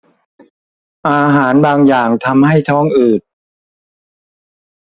อาหารบางอย่างทำให้ท้องอืด